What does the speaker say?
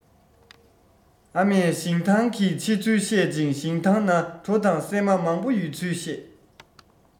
ཨ མས ཞིང ཐང གི ཆེ ཚུལ བཤད ཅིང ཞིང ཐང ན གྲོ དང སྲན མ མང པོ ཡོད ཚུལ བཤད